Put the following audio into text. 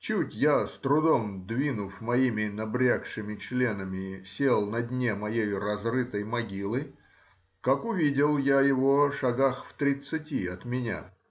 Чуть я, с трудом двинув моими набрякшими членами, сел на дне моей разрытой могилы, как увидел я его шагах в тридцати от меня.